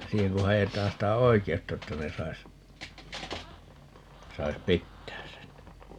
siihen kun haetaan sitä oikeutta että ne saisi saisi pitää sen